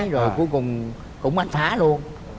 rồi cuối cùng cũng anh phá luôn